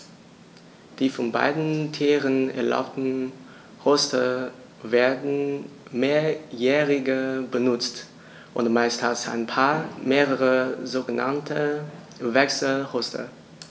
Die von beiden Tieren erbauten Horste werden mehrjährig benutzt, und meist hat ein Paar mehrere sogenannte Wechselhorste.